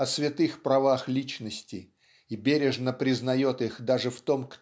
о святых правах личности и бережно признает их даже в том